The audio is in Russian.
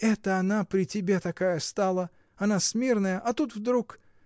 Это она при тебе такая стала; она смирная, а тут вдруг!